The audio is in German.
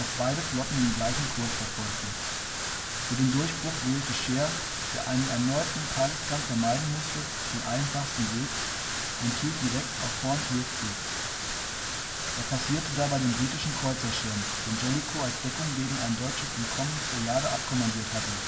beide Flotten den gleichen Kurs verfolgten. Für den Durchbruch wählte Scheer, der einen erneuten Tageskampf vermeiden musste, den einfachsten Weg und hielt direkt auf Horns Riff zu. Er passierte dabei den britischen Kreuzerschirm, den Jellicoe als Deckung gegen ein deutsches Entkommen zur Jade abkommandiert hatte